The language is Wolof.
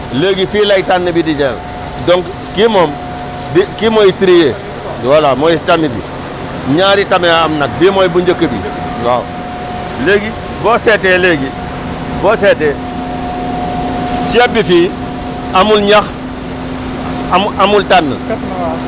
gisoo léegi fii lay tànn bi di jaar donc kii moom du kii mooy trier voilà mooy tànn bi ñaari tame la am nag bii mooy bu njëkk bi waaw léegi boo seetee léegi boo seetee ceeb bi fii amul ñax amul amul tànn